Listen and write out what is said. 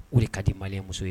O de ka di malimuso ye